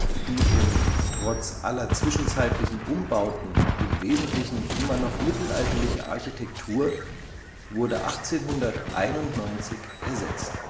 Die im trotz aller zwischenzeitlichen Umbauten im Wesentlichen immer noch mittelalterliche Architektur wurde 1891 ersetzt